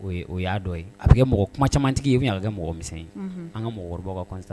O o y'a dɔ ye a bɛ kɛ mɔgɔ kuma caamantigi ye ou bien a bɛ kɛ mɔgɔ misɛnin ye , unhun, an ka mɔgɔkɔrɔbaw ka constat